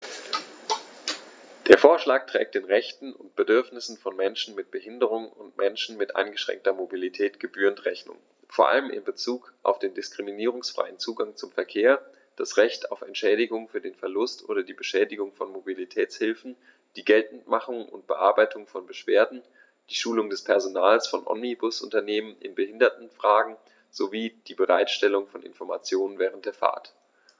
Der Vorschlag trägt den Rechten und Bedürfnissen von Menschen mit Behinderung und Menschen mit eingeschränkter Mobilität gebührend Rechnung, vor allem in Bezug auf den diskriminierungsfreien Zugang zum Verkehr, das Recht auf Entschädigung für den Verlust oder die Beschädigung von Mobilitätshilfen, die Geltendmachung und Bearbeitung von Beschwerden, die Schulung des Personals von Omnibusunternehmen in Behindertenfragen sowie die Bereitstellung von Informationen während der Fahrt.